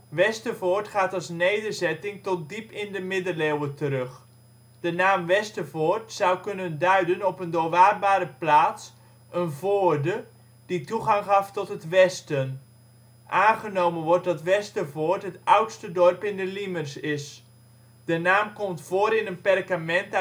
Westervoort gaat als nederzetting tot diep in de Middeleeuwen terug. De naam Westervoort zou kunnen duiden op een doorwaadbare plaats (voorde) die toegang gaf tot het westen. Aangenomen wordt dat Westervoort het oudste dorp in de Liemers is; de naam komt voor in een perkament